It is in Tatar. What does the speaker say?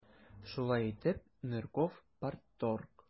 Шулай итеп, Нырков - парторг.